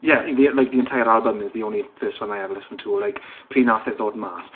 Ie i- like the entire album is the only first one I ever listened to like pryd wnaeth e ddod mas.